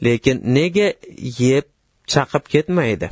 lekin nega chaqib yeb ketishmaydi